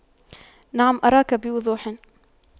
نعم أراك بوضوح